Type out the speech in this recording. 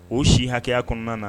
O si hakɛya kɔnɔna na